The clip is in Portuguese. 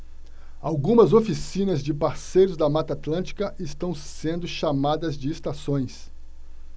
algumas oficinas de parceiros da mata atlântica estão sendo chamadas de estações